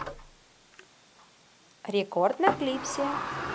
рекорд на клипсе